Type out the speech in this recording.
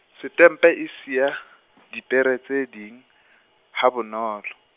setempe e siya, dipere tse ding, ha bonolo.